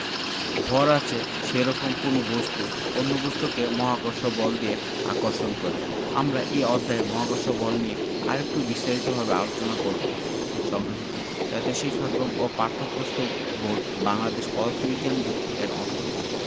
ভর আছে সেরকম যেকোনো বস্তু অন্য বস্তুকে মহাকর্ষ বল দিয়ে আকর্ষণ করে আমরা এই অধ্যায়ে মহাকর্ষ বল নিয়ে আরেকটু বিস্তারিতভাবে আলোচনা করব সংগৃহীত জাতীয় শিক্ষাক্রম ও পাঠ্যপুস্তক বোর্ড বাংলাদেশ পদার্থ বিজ্ঞান বই এর অন্তর্ভুক্ত